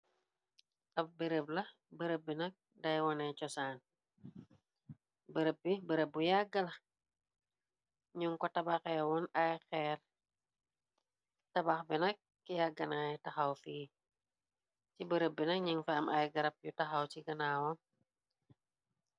Ab bërëb la bërëb bi nak day wone cosaan, bërëb bu yàggala ñun ko tabaxeewoon ay xeer. Tabax bi nak yàgganaay taxaw fii, ci bërëb bi nag ñin fa am ay garab yu taxaw ci ganaawam.